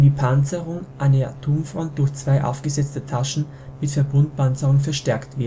Panzerung an der Turmfront durch zwei aufgesetzte Taschen mit Verbundpanzerung verstärkt